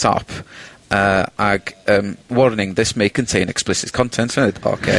top yy ac yym warning this may contain explicit content mae'n ddeud. Oce.